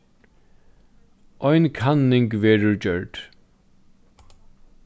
ein kanning verður gjørd